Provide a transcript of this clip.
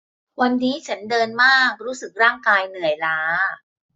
วันนี้ฉันเดินมากรู้สึกร่างกายเหนื่อยล้า